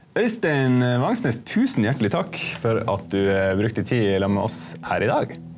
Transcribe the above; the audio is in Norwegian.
Øystein Vangsnes 1000 hjertelig takk for at du brukte tid i lag med oss her i dag.